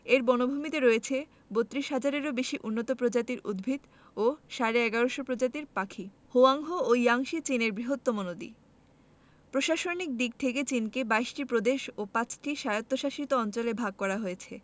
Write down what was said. এর বনভূমিতে রয়েছে ৩২ হাজারেরও বেশি উন্নত প্রজাতির উদ্ভিত ও সাড়ে ১১শ প্রজাতির পাখি হোয়াংহো ও ইয়াংসি চীনের বৃহত্তম নদী প্রশাসনিক দিক থেকে চিনকে ২২ টি প্রদেশ ও ৫ টি স্বায়ত্তশাসিত অঞ্চলে ভাগ করা হয়েছে